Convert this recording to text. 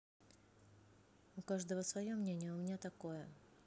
у каждого свое мнение а у меня такое